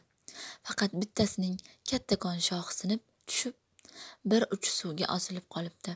faqat bittasining kattakon shoxi sinib tushib bir uchi suvga osilib qolibdi